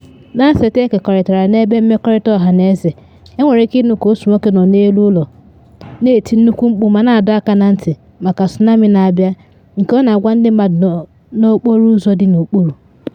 Na nseta ekekọrịtara n’ebe mmerịkọta ọhaneze enwere ike ịnụ ka otu nwoke nọ n’elu ụlọ na eti nnukwu mkpu na adọ aka na ntị maka tsunami na abịa nke ọ na agwa ndị mmadụ n’okporo ụzọ dị n’okpuru.